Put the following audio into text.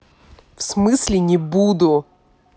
в смысле не буду